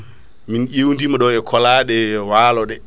min ƴewdima ɗo e koolaɗe walo ɗe